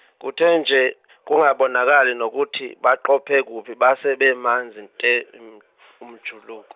kuthe nje kungakabonakali nokuthi baqophe kuphi base bemanzi te umjuluko.